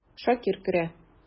Шакир керә.